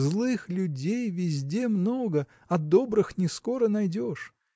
Злых людей везде много, а добрых не скоро найдешь.